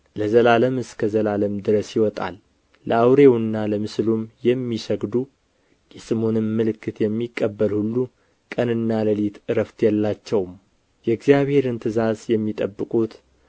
ለዘላለም እስከ ዘላለም ድረስ ይወጣል ለአውሬውና ለምስሉም የሚሰግዱ የስሙንም ምልክት የሚቀበል ሁሉ ቀንና ሌሊት ዕረፍት የላቸውም የእግዚአብሔርን ትእዛዛት የሚጠብቁት